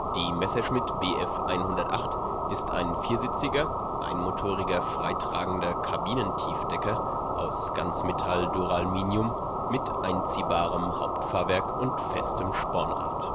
Die Messerschmitt Bf 108 ist ein viersitziger einmotoriger freitragender Kabinentiefdecker aus Ganzmetall-Duraluminium mit einziehbarem Hauptfahrwerk und festem Spornrad